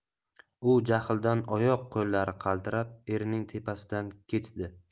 u jahldan oyoq qo'llari qaltirab erining tepasidan ketdi